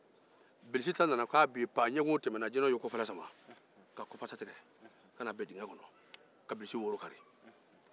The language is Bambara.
bilisi ta nana k'a b'i pan jinɛw ye kɔla sama k'a kɔpasa tigɛ k'a bin dingɛ kɔnɔ ka bilisi woro kari